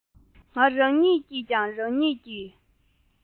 ང རང ཉིད ཀྱིས ཀྱང རང ཉིད ཀྱི